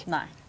nei.